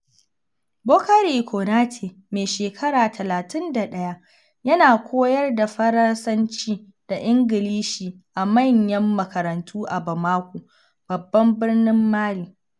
Bourkary Konaté, mai shekara 31 yana koyar da Faransanci da Ingilishi a manyan makarantu a Bamako, babban birnin Mali.